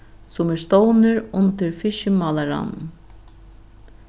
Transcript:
sum er stovnur undir fiskimálaráðnum